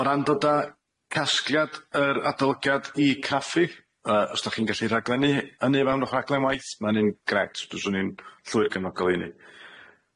O ran dod â casgliad yr adolygiad i caffu, Yy os da chi'n gallu rhaglennu hynny mewn rhaglen waith ma' hynny'n grêt fyswn i'n llwyr gefnogol i hynny.